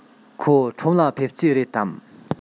ཁོ ཁྲོམ ལ ཕེབས རྩིས རེད དམ